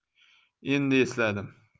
endi esladim